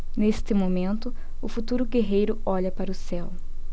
neste momento o futuro guerreiro olha para o céu